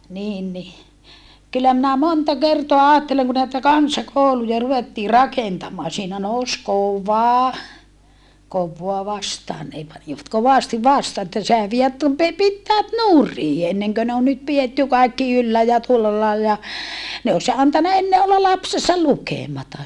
niin niin kyllä minä monta kertaa ajattelen kun näitä kansakouluja ruvettiin rakentamaan siinä nousi kova kovaa vastaan ne panivat kovasti vastaan että sehän vie -- pitäjät nurin ennen kuin ne on nyt pidetty kaikki yllä ja tuolla lailla ja ne olisi antanut ennen olla lapsensa lukematta